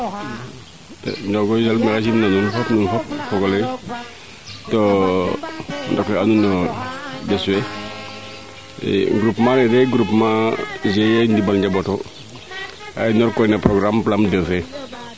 Njoko waay maxey simnaa nuun fop fogole to dokle a nuun no bes fee groupement le de groupement GIE Ndimal Ndiambot o a inoor koy no programme PLAM 2 fee